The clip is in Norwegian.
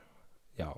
Ja.